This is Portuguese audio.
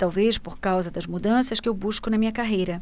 talvez por causa das mudanças que eu busco na minha carreira